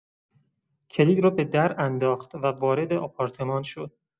کلید را به در انداخت و وارد آپارتمان شد.